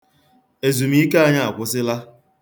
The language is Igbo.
Ezumike anyị akwụsịla.